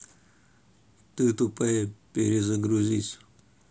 ты тупая перезагрузись